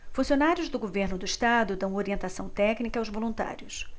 funcionários do governo do estado dão orientação técnica aos voluntários